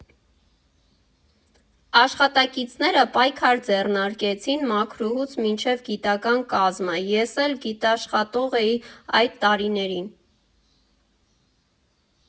Աշխատակիցները պայքար ձեռնարկեցին՝ մաքրուհուց մինչև գիտական կազմը, ես էլ գիտաշխատող էի այդ տարիներին։